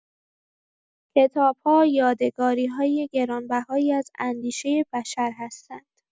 کتاب‌ها یادگارهای گرانبهایی از اندیشه بشر هستند.